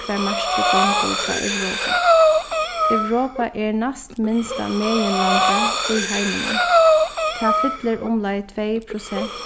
hvar markið gongur hjá europa europa er næstminsta meginlandið í heiminum tað fyllir umleið tvey prosent